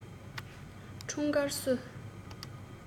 འཁྲུངས སྐར བསུ